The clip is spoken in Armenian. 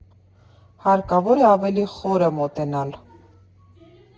Հարկավոր է ավելի խորը մոտենալ։